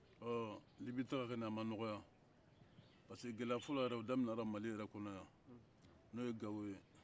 ɔ libi taga kɔnɔ a ma nɔgɔya parce que gɛlɛya fɔlɔ yɛrɛ o daminɛna mali yɛrɛ kɔnɔ yan n'o ye gawo ye